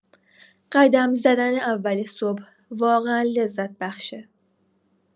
قدم زدن اول صبح واقعا لذت بخشه